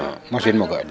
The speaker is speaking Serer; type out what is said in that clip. xa a mosiinum o ga' de.